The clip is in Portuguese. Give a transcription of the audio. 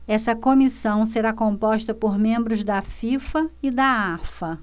essa comissão será composta por membros da fifa e da afa